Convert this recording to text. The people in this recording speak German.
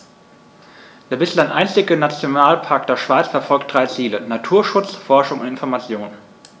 Der bislang einzige Nationalpark der Schweiz verfolgt drei Ziele: Naturschutz, Forschung und Information.